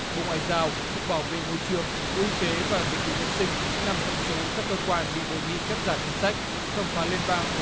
bộ ngoại giao cục bảo vệ môi trường bộ y tế và dịch vụ nhân sinh nằm trong số các cơ quan bị đề nghị cắt giảm ngân sách thẩm phán liên bang của